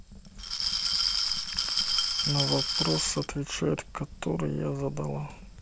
на вопрос ответишь который я задала